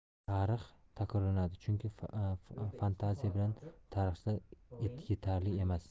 tarix takrorlanadi chunki fantaziya bilan tarixchilar etarli emas